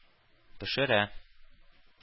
Пешерә